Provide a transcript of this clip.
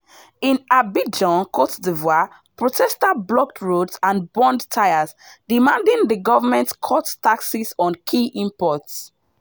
In Abidjan, Cote d’Ivoire, protesters blocked roads and burned tires, demanding the government cut taxes on key imports.